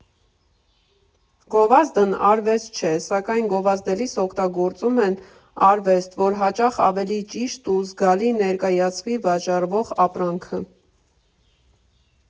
Գովազդն արվեստ չէ, սակայն գովազդելիս օգտագործում են արվեստ, որ հաճախ ավելի ճիշտ ու զգալի ներկայացվի վաճառվող ապրանքը։